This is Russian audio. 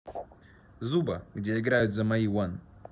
зуба где играют за мои one